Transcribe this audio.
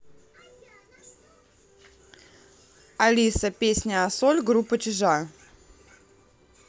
алиса песня ассоль группа чижа